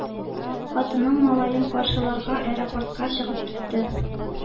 Хатынын, малаен каршыларга аэропортка чыгып китте.